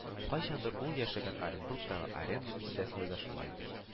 Кайчандыр ул яшәгән Оренбургтагы Аренда бистәсендә дә шулайдыр